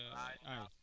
si gerte